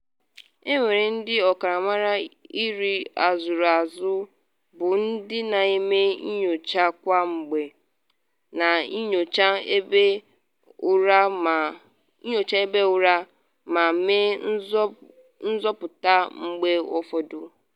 Ọ nwere ndị ọkammara iri azụrụ azụ bụ ndị na-eme nyocha kwa mgbe, na-enyocha ebe ụra ma mee nzọpụta mgbe ụfọdụ.